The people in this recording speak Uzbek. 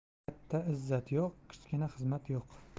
kattada izzat yo'q kichikda xizmat yo'q